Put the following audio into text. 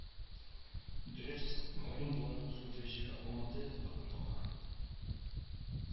Дөрес, галим буларак зур дәрәҗәләр алмады Равил ага